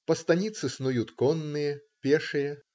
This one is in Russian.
По станице снуют конные, пешие